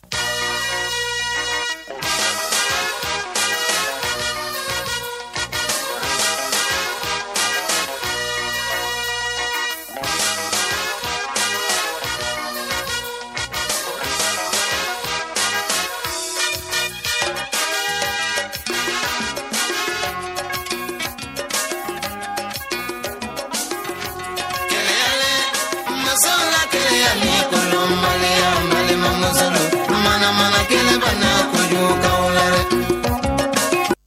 Masakɛ kɛ kɛ yo laban